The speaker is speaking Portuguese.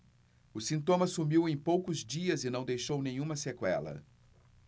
o sintoma sumiu em poucos dias e não deixou nenhuma sequela